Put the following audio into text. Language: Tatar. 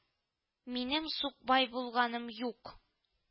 Минем сукбай булганым юк